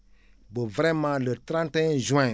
ba vraiment le 31 juin